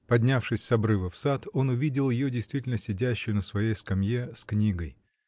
Поднявшись с обрыва в сад, он увидел ее действительно сидящую на своей скамье с книгой.